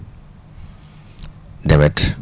demeet